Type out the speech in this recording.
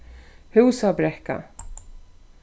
húsabrekka